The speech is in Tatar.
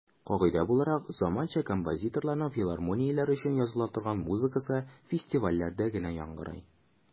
Кагыйдә буларак, заманча композиторларның филармонияләр өчен языла торган музыкасы фестивальләрдә генә яңгырый.